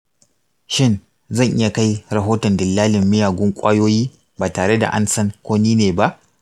shin zan iya kai rahoton dillalin miyagun ƙwayoyi ba tare da an san ko ni ne ba?